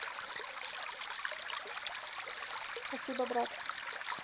спасибо брат